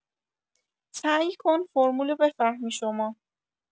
سعی کن فرمولو بفهمی شما